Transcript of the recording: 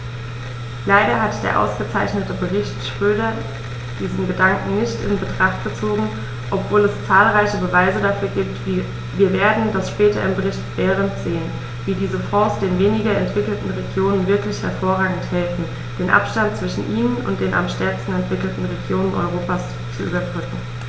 Leider hat der ausgezeichnete Bericht Schroedter diesen Gedanken nicht in Betracht gezogen, obwohl es zahlreiche Beweise dafür gibt - wir werden das später im Bericht Berend sehen -, wie diese Fonds den weniger entwickelten Regionen wirklich hervorragend helfen, den Abstand zwischen ihnen und den am stärksten entwickelten Regionen Europas zu überbrücken.